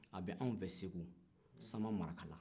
a bɛ anw fɛ segu samamarakala